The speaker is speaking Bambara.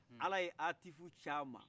ala ye atifu ci a ma